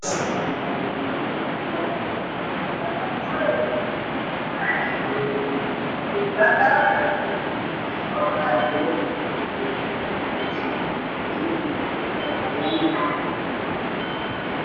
Waxaa jooga dad oo meel dhul ah habeynaayo niman iyo hal naag